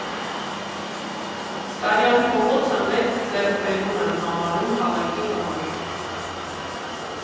Սարյան փողոցը մեծ ձեռքբերում եմ համարում քաղաքի համար։